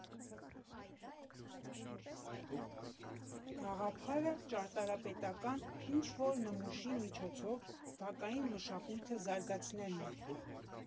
Գաղափարը ճարտարապետական ինչ֊որ նմուշի միջոցով բակային մշակույթը զարգացնելն է։